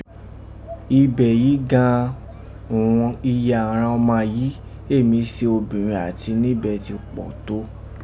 Ibé yìí gan an òghun iye àghan ọma yìí éè mí si obìnrẹn àti níbẹ̀ ti kpọ̀ tó